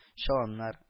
Чоланнар